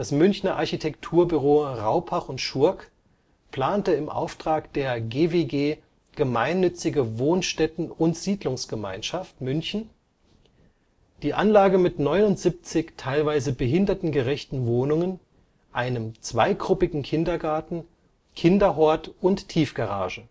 Münchner Architekturbüro Raupach und Schurk plante im Auftrag der GWG Gemeinnützige Wohnstätten - und Siedlungsgesellschaft, München, die Anlage mit 79 teilweise behindertengerechten Wohnungen, einem zweigruppigen Kindergarten, Kinderhort und Tiefgarage